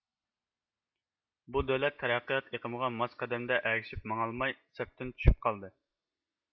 بۇ دۆلەت تەرەققىيات ئېقىمىغا ماس قەدەمدە ئەگىشىپ ماڭالماي سەپتىن چۈشۈپ قالدى